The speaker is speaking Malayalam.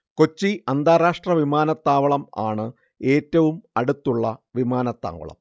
കൊച്ചി അന്താരാഷ്ട്ര വിമാനത്താവളം ആണ് ഏറ്റവും അടുത്തുള്ള വിമാനത്താവളം